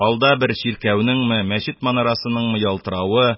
Алда бер чиркәүнеңме, мәчет манарасыныңмы ялтыравы,